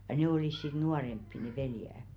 ja ne olivat sitten nuorempia ne veljet